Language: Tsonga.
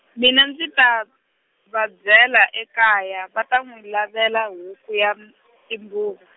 mina ndzi ta, va byela ekaya va ta n'wi lavela huku ya m- , timbuva.